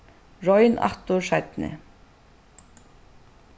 royn aftur seinni